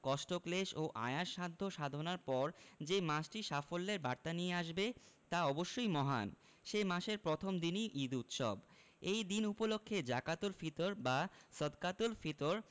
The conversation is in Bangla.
কষ্টক্লেশ ও আয়াস সাধ্য সাধনার পর যে মাসটি সাফল্যের বার্তা নিয়ে আসবে তা অবশ্যই মহান সে মাসের প্রথম দিনই ঈদ উৎসব এই দিন উপলক্ষে জাকাতুল ফিতর বা সদকাতুল ফিতর